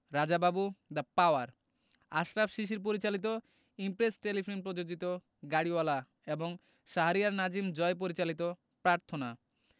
রাজা Babu the power Ashraf Shishir পরিচালিত Impress Telefilm প্রযোজিত গাড়িওয়ালা এবং শাহরিয়ার নাজিম জয় পরিচালিত প্রার্থনা